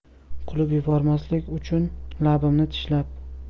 kulib yubormaslik uchun labimni tishlab